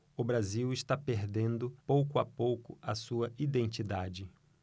o brasil está perdendo pouco a pouco a sua identidade